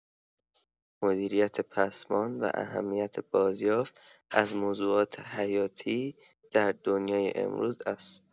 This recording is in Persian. مدیریت پسماند و اهمیت بازیافت از موضوعات حیاتی در دنیای امروز است.